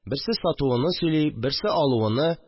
Берсе сатуыны сөйли, берсе алуыны